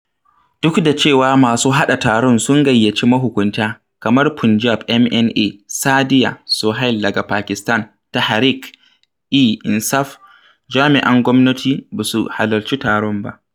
Duk da cewa masu haɗa taron sun gayyaci mahukunta, kamar Punjab MNA Saadia Sohail daga Pakistan Tehreek e Insaf, jami'an gwamnati ba su halarci taron ba.